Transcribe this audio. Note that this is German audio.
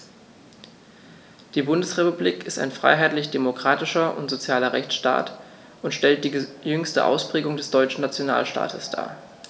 Die Bundesrepublik ist ein freiheitlich-demokratischer und sozialer Rechtsstaat und stellt die jüngste Ausprägung des deutschen Nationalstaates dar.